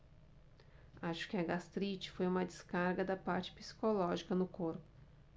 acho que a gastrite foi uma descarga da parte psicológica no corpo